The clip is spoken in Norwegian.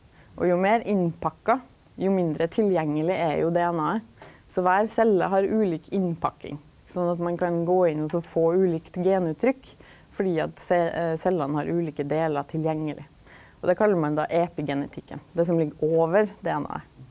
og jo meir innpakka, jo mindre tilgjengeleg er jo DNA-et, så kvar celle har ulik innpakking sånn at ein kan gå inn og så få ulikt genuttrykk fordi at cellene har ulike delar tilgjengeleg, og det kallar ein då epigenetikken, det som ligg over DNA-et.